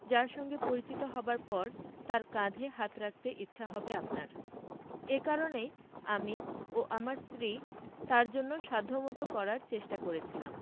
যাঁর সঙ্গে পরিচিত হওয়ার পর তাঁর কাঁধে হাত রাখার ইচ্ছা হবে আপনার এ কারণেই আমি ও আমার স্ত্রী তাঁর জন্য সাধ্যমতো করার চেষ্টা করেছিলাম